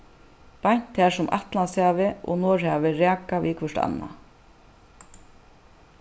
beint har sum atlantshavið og norðhavið raka við hvørt annað